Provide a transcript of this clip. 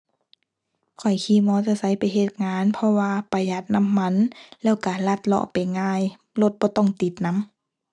ข้อยขี่มอเตอร์ไซค์ไปเฮ็ดงานเพราะว่าประหยัดน้ำมัน แล้วก็ลัดเลาะไปง่าย รถบ่ต้องติดนำ